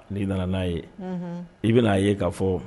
N'i nana n'a ye i bɛna'a ye ka fɔ